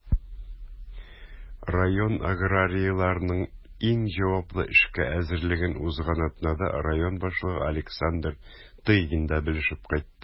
Район аграрийларының иң җаваплы эшкә әзерлеген узган атнада район башлыгы Александр Тыгин да белешеп кайтты.